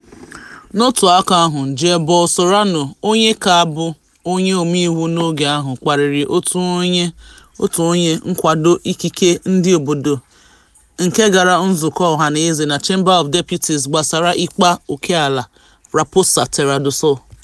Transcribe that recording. N'otu aka ahụ, Jair Bolsonaro, onye ka bụ onye omeiwu n'oge ahụ, kparịrị otu onye nkwado ikike ndị obodo nke gara nzukọ ọhanaeze na Chamber of Deputies gbasara ịkpa ókèala Raposa Terra do Sol.